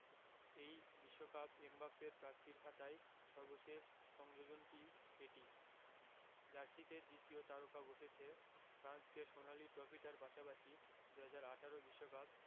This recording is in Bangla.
এই বিশ্বকাপ এমবাপ্পের প্রাপ্তির খাতায় সর্বশেষ সংযোজনই এটি জার্সিতে দ্বিতীয় তারকা বসেছে ফ্রান্সকে সোনালি ট্রফিটার পাশাপাশি ২০১৮ বিশ্বকাপ